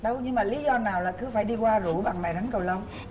đâu nhưng mà lý do nào là cứ phải đi qua rủ bạn bè đánh cầu lông